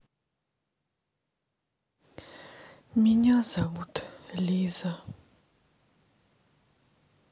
меня зовут лиза